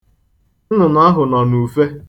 Nnụnụ ahụ nọ n'ufe.